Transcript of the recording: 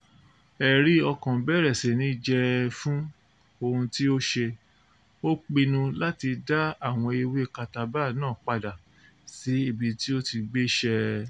Ẹ̀rí-ọkàn bẹ̀rẹ̀ sí ní jẹ́ ẹ fún ohun tí ó ṣe, ó pinnu láti dá àwọn ewé kátabá náà padà sí ibi tí ó ti gbé ṣẹ́ ẹ.